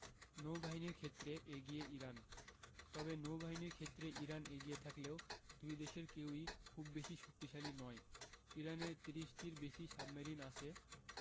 নৌবাহিনীর ক্ষেত্রে এগিয়ে ইরান তবে নৌবাহিনীর ক্ষেত্রে ইরান এগিয়ে থাকলেও দুই দেশের কেউই খুব বেশি শক্তিশালী নয় ইরানের ৩০টির বেশি সাবমেরিন আছে